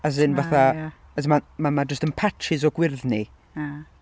As in fatha... A ie...As in mae'n ma- mae jyst yn patches o gwyrddni...ia...